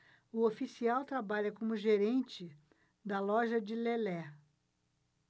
o oficial trabalha como gerente da loja de lelé